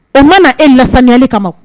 O mana e lasayali kama